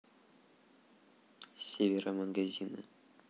северо магазина